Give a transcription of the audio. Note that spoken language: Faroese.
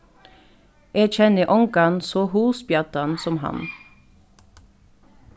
eg kenni ongan so hugspjaddan sum hann